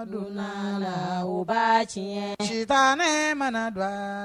Donnala ba tiɲɛtan ne ma don